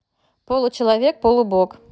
получеловек полубог